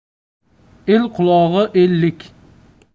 el qulog'i ellik